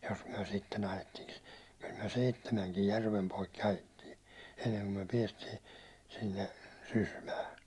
jos me sitten ajettiinkin kyllä me seitsemänkin järven poikki ajettiin ennen kuin me päästiin sinne Sysmään